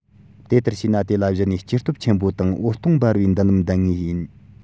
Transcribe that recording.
དེ ལྟར བྱས ན དེ ལ གཞི ནས སྐྱེ སྟོབས ཆེན པོ དང འོད སྟོང འབར བའི མདུན ལམ ལྡན ངེས ཡིན